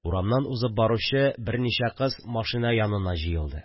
Урамнан узып баручы берничә кыз машина янына җыелды